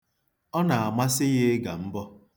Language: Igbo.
Ọ na-amasị ya ịga mbọ.